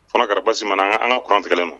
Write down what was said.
Fanakara basisi mana an krantigɛ ma